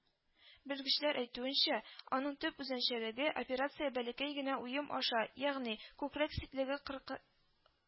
Белгечләр әйтүенчә, аның төп үзенчәлеге - операция бәләкәй генә уем аша, ягъни күкрәк ситлеге кыркы